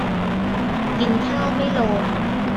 กินข้าวไม่ลง